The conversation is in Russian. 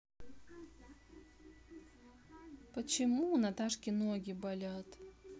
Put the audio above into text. почему у наташки ноги болят